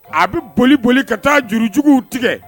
A bɛ boli boli ka taa jurujuguw tigɛ